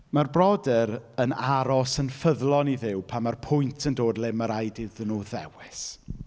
Ma'r brodyr yn aros yn ffyddlon i Dduw, pan mae'r pwynt yn dod le mae raid iddyn nhw ddewis.